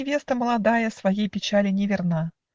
невеста молодая Своей печали неверна.